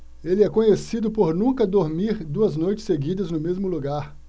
ele é conhecido por nunca dormir duas noites seguidas no mesmo lugar